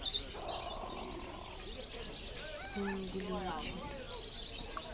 он глючит